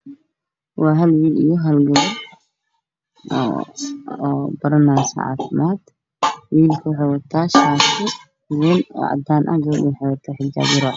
Waa hal wiil iyo hal gabar oo baranaayo caafimaad. wiilka waxuu wataa shaati cadaan ah, gabadhuna xijaab yar oo cadaan ah.